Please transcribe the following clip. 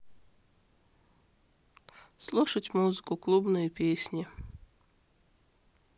слушать музыку клубные песни